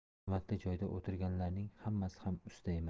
hurmatli joyda o'tirganlarning hammasi ham usta emas